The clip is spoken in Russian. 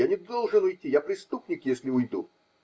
Я не должен уйти; я преступник, если уйду.